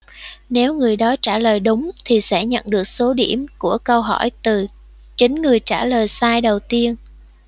nếu người đó trả lời đúng thì sẽ nhận được số điểm của câu hỏi từ chính người trả lời sai đầu tiên